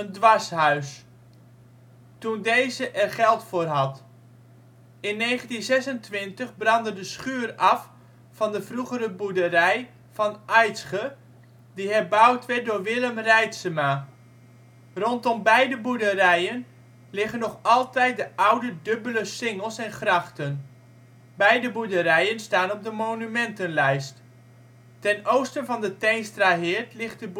dwarshuis), toen deze er geld voor had. In 1926 brandde de schuur af van de vroegere boerderij van Aedsge, die herbouwd werd door Willem Reitsema. Rondom beide boerderijen liggen nog altijd de oude dubbele singels en grachten. Beide boerderijen staan op de monumentenlijst. Ten oosten van de Teenstraheerd ligt de